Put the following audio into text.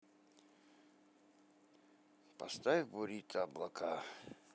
поставь бурито облака